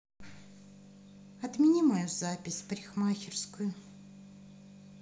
отмени мою запись в парикмахерскую